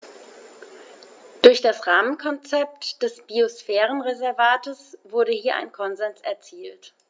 Durch das Rahmenkonzept des Biosphärenreservates wurde hier ein Konsens erzielt.